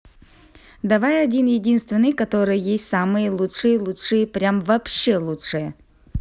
давай один единственный который есть самые лучшие лучшие прям вообще лучшее